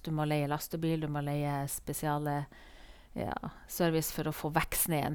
Du må leie lastebil, du må leie spesiale, ja, service for å få vekk snøen.